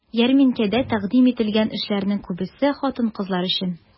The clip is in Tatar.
Ярминкәдә тәкъдим ителгән эшләрнең күбесе хатын-кызлар өчен.